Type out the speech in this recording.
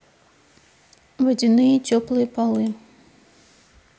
водяные теплые полы